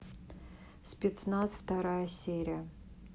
спецназ вторая серия